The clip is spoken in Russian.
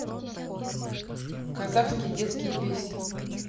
казахские детские песни